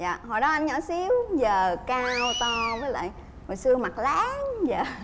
dạ hồi đó anh nhỏ xíu giờ cao to với lại hồi xưa mặt láng dạ